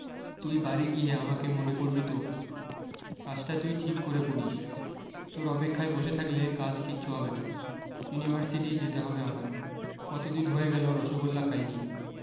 তুই বাড়ী গিয়ে আমাকে মনে করবি তো কাজটা তুই ঠিক করে করিস তোর অপেক্ষায় বসে থাকলে কাজ কিচ্ছু হবে না ইউনিভার্সিটি যেতে হবে আমার কতদিন হয়ে গেল রসোগোল্লা খাইনি